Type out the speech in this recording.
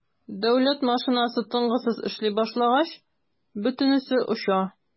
Дәүләт машинасы тынгысыз эшли башлагач - бөтенесе оча.